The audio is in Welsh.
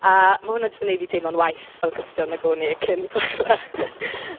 A ma' hwnna jyst yn wneud fi teimlo'n waeth fel Cristion nag o'n i cyn dechrau.